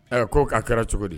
Ɛ ko k'a kɛra cogo di